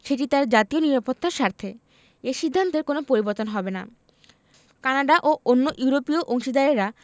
সেটি তার জাতীয় নিরাপত্তার স্বার্থে এ সিদ্ধান্তের কোনো পরিবর্তন হবে না কানাডা ও অন্য ইউরোপীয় অংশীদারেরা